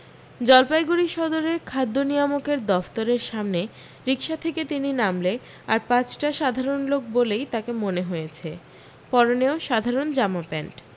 জলপাইগুড়ি সদরের খাদ্য নিয়ামকের দফতরের সামনে রিকশা থেকে তিনি নামলে আর পাঁচটা সাধারণ লোক বলেই তাঁকে মনে হয়েছে পরনেও সাধারণ জামা প্যান্ট